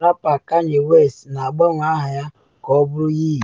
Rapa Kanye West na agbanwe aha ya - ka ọ bụrụ Ye.